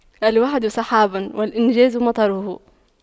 الوعد سحاب والإنجاز مطره